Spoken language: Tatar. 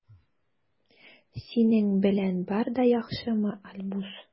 Синең белән бар да яхшымы, Альбус?